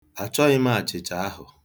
Achọghị m achịcha ahụ.